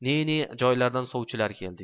ne ne joylardan sovchilar keldi